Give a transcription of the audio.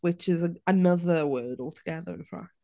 Which is another word altogether, in fact.